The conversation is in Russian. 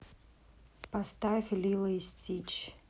поставь лило и стич